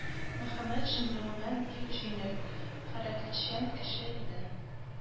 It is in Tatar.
Мөхәммәтшин гомумән бик җиңел, хәрәкәтчән кеше иде